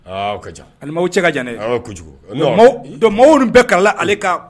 O ka ca adama cɛ ka jan kojugu dɔn maaw bɛɛ k'a la ale ka